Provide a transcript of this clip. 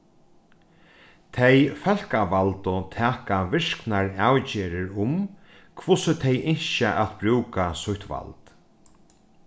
tey fólkavaldu taka virknar avgerðir um hvussu tey ynskja at brúka sítt vald